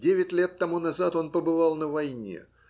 Девять лет тому назад он побывал на войне